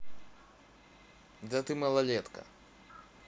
да ты малолетка